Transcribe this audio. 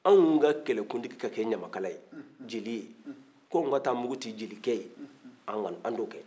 anw ka kɛlɛkuntigi ka kɛ ɲamakala ye jeli ye k'anw ka taa mugu ci jeli kɛ ye anw t'o kɛ